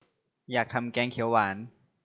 อยากทำแกงเขียวหวาน